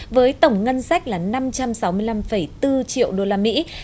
với tổng ngân sách là năm trăm sáu mươi lăm phẩy tư triệu đô la mỹ